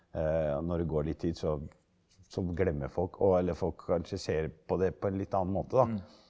når det går litt tid så så glemmer folk og eller folk kanskje ser på det på en litt annen måte da.